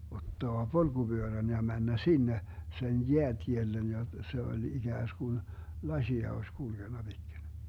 ottaa polkupyörän ja mennä sinne sen jäätielle ja se oli ikään kuin lasia olisi kulkenut pitkin